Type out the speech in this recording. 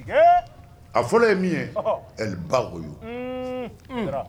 A fɔlɔ ye min ye ba o ye